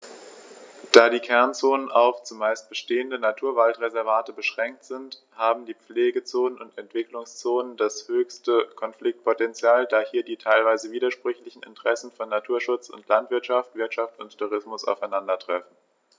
Da die Kernzonen auf – zumeist bestehende – Naturwaldreservate beschränkt sind, haben die Pflegezonen und Entwicklungszonen das höchste Konfliktpotential, da hier die teilweise widersprüchlichen Interessen von Naturschutz und Landwirtschaft, Wirtschaft und Tourismus aufeinandertreffen.